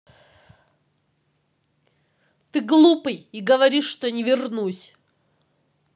ты глупый и говоришь что не вернусь